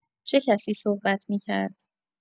چه کسی صحبت می‌کرد؟